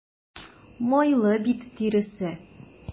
Майлы бит тиресе.